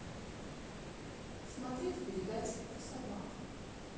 смотреть передачу про собак